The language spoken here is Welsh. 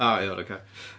O iawn oce.